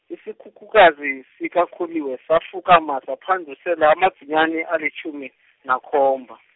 isikhukhukazi sikaKholiwe safukama saphandlusela amadzinyani alitjhumi, nakhomba.